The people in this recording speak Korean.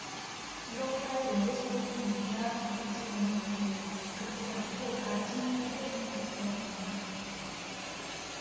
이렇게 하여 외래 식물은 귀화한 들꽃이 되는 것으로 그치지 않고 다른 식물에 해를 주는 잡초가 됩니다